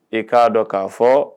E k'a dɔn k'a fɔ